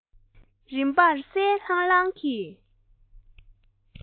རིམ པར གསལ ལྷང ལྷང གི